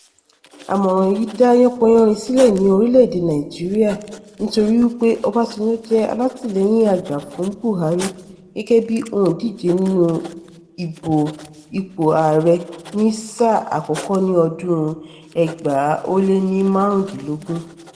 Àmọ̀ràn yìí dá yánpọnyánrin sílẹ̀ ní orílẹ̀-èdè Nàìjíríà nítorí wípé Ọbásanjọ́ jẹ́ alátìlẹ́yìn àgbà fún Buhari gẹ́gẹ́ bí òǹdíje nínú ìbò ipò Ààrẹ ni sáà àkọ́kọ́ ní ọdún 2015.